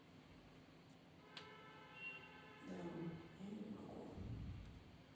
да мам я не могу